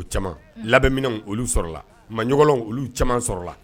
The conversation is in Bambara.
O caman labɛnmin olu sɔrɔ la ma ɲɔgɔnw olu caman sɔrɔla la